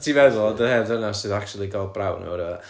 ti meddwl ond y hen ddynas sydd actually gael brawd neu whatever